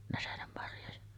näsenenmarjoja